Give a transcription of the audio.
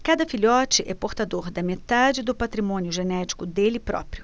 cada filhote é portador da metade do patrimônio genético dele próprio